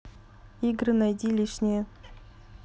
игры найди лишнее